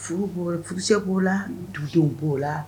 Furu bo l furucɛ b'o la dudenw b'o la